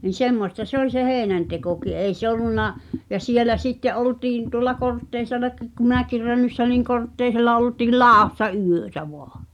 niin semmoista se oli se heinäntekokin ei se ollut ja siellä sitten oltiin tuolla Kortteisellakin kun minäkin Rönnyssä olin Kortteisella oltiin ladossa yötä vain